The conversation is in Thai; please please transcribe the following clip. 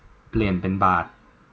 เปลี่ยนเป็นบาท